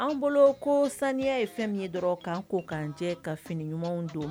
An bolo ko saniya ye fɛn min ye dɔrɔn kan ko kan jɛ ka fini ɲumanw don.